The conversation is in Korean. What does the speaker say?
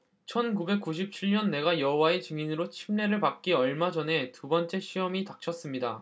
천 구백 구십 칠 년 내가 여호와의 증인으로 침례를 받기 얼마 전에 두 번째 시험이 닥쳤습니다